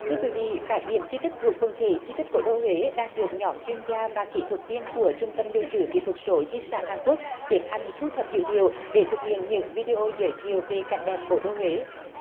thưa quý vị các điểm di tích thuộc quần thể di tích cố đô huế đang được nhóm chuyên gia và kỹ thuật viên của trung tâm lưu trữ kỹ thuật số di sản hàn quốc tiến hành thu thập dữ liệu để thực hiện những vi đê ô giới thiệu về cảnh đẹp cố đô huế